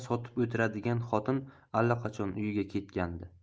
sotib o'tiradigan xotin allaqachon uyiga ketgandi